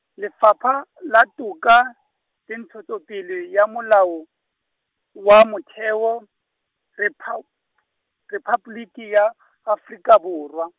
Lefapha, la Toka, le Ntshetsopele ya Molao, wa Motheo, Rephao- , Rephaboliki ya , Afrika Borwa.